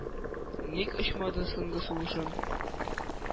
Ник очмады соңгы сулышым,